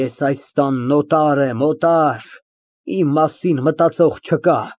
Ես այս տանն օտար եմ, օտար, իմ մասին մտածող չկա։